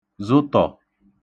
zụtọ̀